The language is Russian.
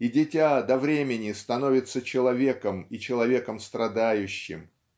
и дитя до времени становится человеком и человеком страдающим.